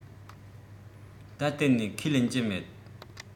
ད གཏན ནས ཁས ལེན གྱི མེད